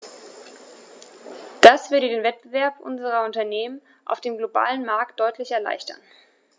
Das würde den Wettbewerb unserer Unternehmen auf dem globalen Markt deutlich erleichtern.